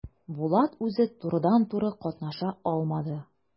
Булат үзе турыдан-туры катнаша алмады.